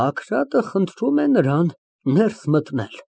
Բագրատը խնդրում է նրան ներս մտնել։